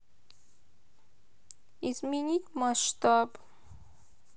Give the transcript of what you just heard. как изменить масштаб